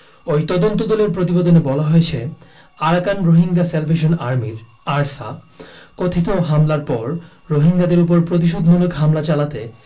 ওই তদন্তদলের প্রতিবেদনে বলা হয়েছে আরাকান রোহিঙ্গা স্যালভেশন আর্মির আরসা কথিত হামলার পর রোহিঙ্গাদের ওপর প্রতিশোধমূলক হামলা চালাতে